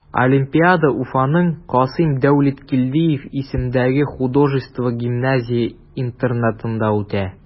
Олимпиада Уфаның Касыйм Дәүләткилдиев исемендәге художество гимназия-интернатында үтә.